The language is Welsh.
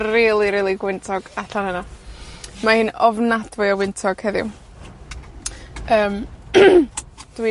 rili rili gwyntog allan yna. Mae'n ofnadwy o wyntog heddiw. Yym, dwi